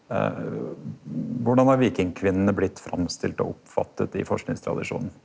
korleis har vikingkvinnene blitt framstilte og oppfatta i forskingstradisjonen?